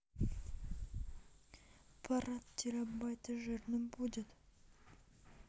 парад терабайте жирно будет